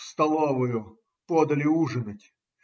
В столовую подали ужинать.